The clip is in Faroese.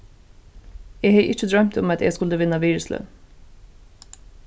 eg hevði ikki droymt um at eg skuldi vinna virðisløn